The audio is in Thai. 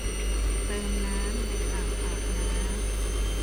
เติมน้ำในอ่างอาบน้ำ